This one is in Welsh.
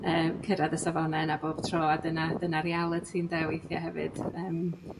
yy cyrradd y safone 'na bob tro a dyna dyna realiti ynde weithie hefyd yym.